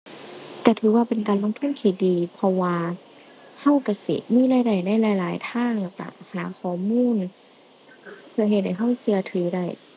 ก็ถือว่าเป็นการลงทุนที่ดี เพราะว่าก็ก็สิมีรายได้ในหลายหลายทางแล้วก็หาข้อมูลเพื่อเฮ็ดให้ก็ก็ถือได้